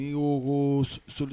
N'i y'o ko solution